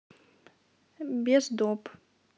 без доп